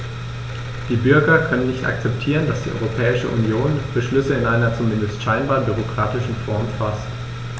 Die Bürger können nicht akzeptieren, dass die Europäische Union Beschlüsse in einer, zumindest scheinbar, bürokratischen Form faßt.